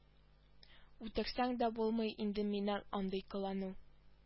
Үтерсәң дә булмый инде миннән андый кылану